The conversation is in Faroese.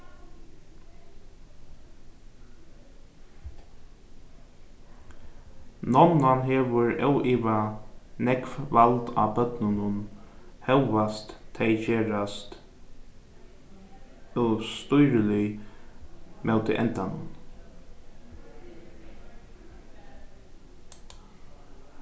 nonnan hevur óivað nógv vald á børnunum hóast tey gerast óstýrilig móti endanum